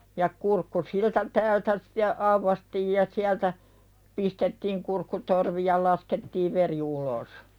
ja kurkku siltä täältä sitten aukaistiin ja sieltä pistettiin kurkkutorvi ja laskettiin veri ulos